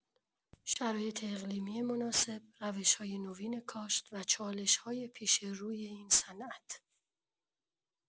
شرایط اقلیمی مناسب، روش‌های نوین کاشت و چالش‌های پیش‌روی این صنعت